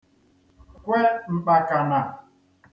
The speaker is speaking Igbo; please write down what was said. kwe m̀kpàkànà